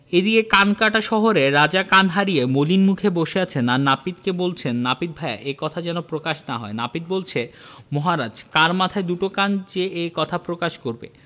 এদিকে কানকাটা শহরে রাজা কান হারিয়ে মলিন মুখে বসে আছেন আর নাপিতকে বলছেন নাপিত ভায়া এ কথা যেন প্রকাশ না হয় নাপিত বলছে মহারাজ কার মাথায় দুটো কান যে এ কথা প্রকাশ করবে